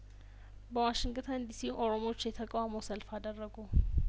በዋሽንግተን ዲሲ ኦሮሞዎች የተቃውሞ ሰልፍ አደረጉ